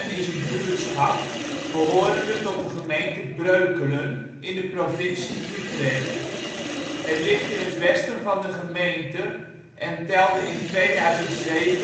is een buurtschap behorende tot de gemeente Breukelen in de provincie Utrecht. Het ligt in het westen van de gemeente en telde in 2007 170